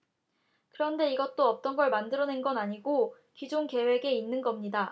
그런데 이것도 없던걸 만들어낸건 아니고 기존 계획에 있는 겁니다